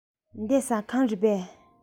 འདི ཟ ཁང རེད པས